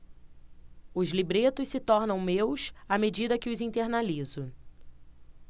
os libretos se tornam meus à medida que os internalizo